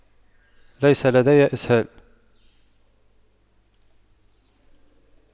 ليس لدي اسهال